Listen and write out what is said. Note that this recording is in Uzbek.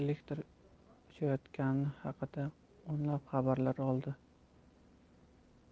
elektr o'chayotgani haqida o'nlab xabarlar oldi